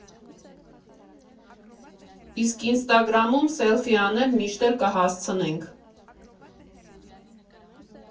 Իսկ ինստագրամում սելֆի անել միշտ էլ կհասցնենք։